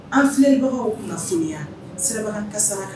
An filɛbagaw kunnafonniya siraba kan kasara